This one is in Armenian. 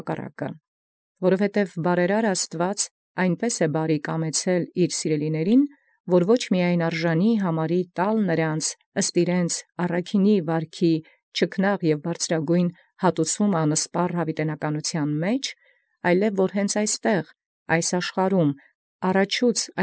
Քանզի Աստուծոյ բարերարին այսպէս բարեխորհեալ զիւրոց սիրելեաց, ոչ միայն ըստ առաքինութեան վարուց՝ զչքնաղ և զբարձրագոյն հատուցումն բաւական համարել յանսպառ յաւիտեանսն, այլ և աստէն իսկ կանխագոյն.